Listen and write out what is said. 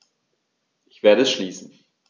Ich werde es schließen.